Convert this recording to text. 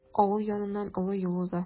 Авыл яныннан олы юл уза.